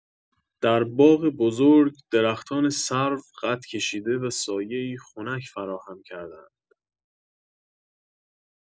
در باغ بزرگ، درختان سرو قد کشیده و سایه‌ای خنک فراهم کرده‌اند.